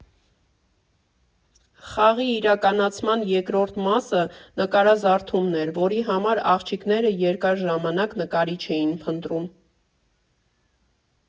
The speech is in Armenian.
Խաղի իրականացման երկրորդ մասը նկարազարդումն էր, որի համար աղջիկները երկար ժամանակ նկարիչ էին փնտրում։